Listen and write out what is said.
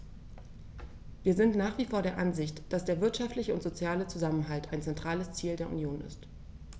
Wir sind nach wie vor der Ansicht, dass der wirtschaftliche und soziale Zusammenhalt ein zentrales Ziel der Union ist.